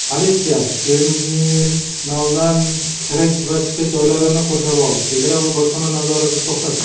politsiya terminaldan kirish va chiqish joylarini qurshab oldi chegara va bojxona nazorati to'xtatildi